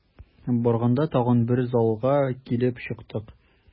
Барганда тагын бер залга килеп чыктык.